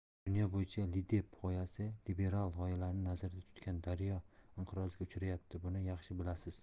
dunyo bo'yicha lidep g'oyasi liberal g'oyalarni nazarda tutgan daryo inqirozga uchrayapti buni yaxshi bilasiz